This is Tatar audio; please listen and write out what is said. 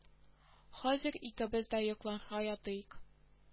Хәзер икебез дә йокларга ятыйк